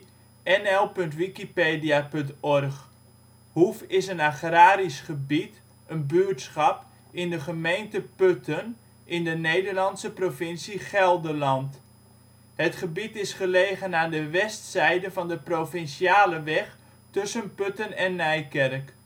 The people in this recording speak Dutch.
52° 15 ' NB, 5° 34 ' OL Hoef (Putten) Plaats in Nederland Situering Provincie Gelderland Gemeente Putten Coördinaten 52° 15′ NB, 5° 34′ OL Portaal Nederland Hoef is een agrarisch gebied (buurtschap) in de gemeente Putten, in de Nederlandse provincie Gelderland. Het gebied is gelegen aan de westzijde van de provinciale weg tussen Putten en Nijkerk